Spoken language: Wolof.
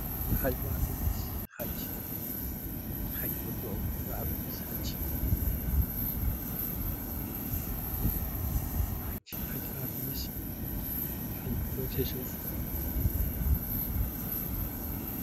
Haggh laa fi giss, haggh, haggh bu toog laa fi giss. Haggh, haggh, haggh laa fi giss, haggh bu toog si suuf.